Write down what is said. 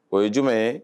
O ye jumɛn ye